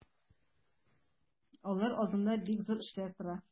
Алар алдында бик кызу эшләр тора.